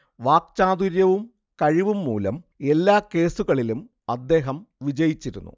വാക്ചാതുര്യവും കഴിവും മൂലം എല്ലാ കേസുകളിലും അദ്ദേഹം വിജയിച്ചിരുന്നു